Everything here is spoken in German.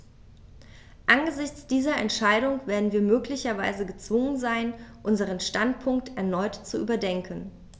Angesichts dieser Entscheidung werden wir möglicherweise gezwungen sein, unseren Standpunkt erneut zu überdenken.